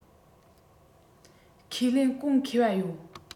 ཁས ལེན གོང ཁེ བ ཡོད